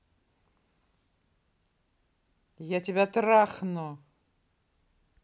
я тебя трахну